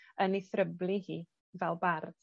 yn ei thryblu hi fel bardd.